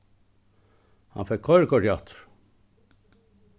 hann fekk koyrikortið aftur